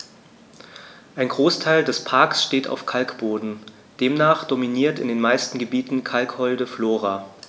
Ein Großteil des Parks steht auf Kalkboden, demnach dominiert in den meisten Gebieten kalkholde Flora.